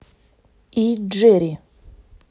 и джерри